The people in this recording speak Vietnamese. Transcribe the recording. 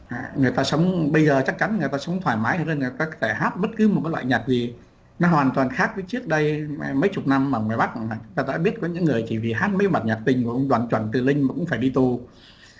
người ta sống bây giờ chắc chắn người ta sống thoải mái hơn có thể hát bất cứ một loại nhạc gì nó hoàn toàn khác với trước đây mấy chục năm ở ngoài bắc mà ta đã biết có những người chỉ vì hát mấy bản nhạc tình của ông đoàn chuẩn từ linh mà cũng phải đi tù